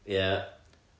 ia